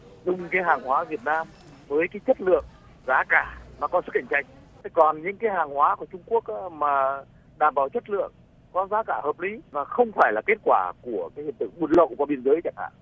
dùng cái hàng hóa việt nam với cái chất lượng giá cả nó có sức cạnh tranh thế còn những cái hàng hóa của trung quốc mà đảm bảo chất lượng có giá cả hợp lý và không phải là kết quả của hiện tượng buôn lậu qua biên giới chẳng hạn